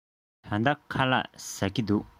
ད ལྟ ཁ ལག ཟ གི འདུག